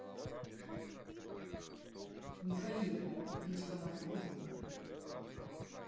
михаил кличка мафиозник